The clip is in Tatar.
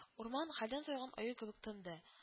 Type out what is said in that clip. Урман хәлдән тайган аю кебек тынды